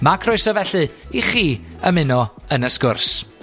Ma' croeso, felly, i chi ymuno yn y sgwrs.